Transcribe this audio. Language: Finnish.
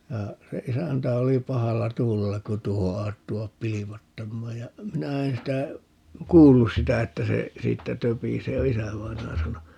ja se isäntä oli pahalla tuulella kun tuohon asettuivat piipattamaan ja minä en sitä kuullut sitä että se siitä töpisee ja isävainaja sanoi